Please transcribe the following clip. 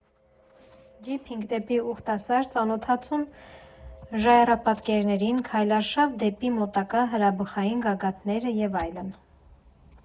Ջիփինգ դեպի Ուխտասար, ծանոթացում ժայռապատկերներին, քայլարշավ դեպի մոտակա հրաբխային գագաթները և այլն։